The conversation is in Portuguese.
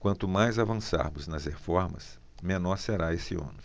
quanto mais avançarmos nas reformas menor será esse ônus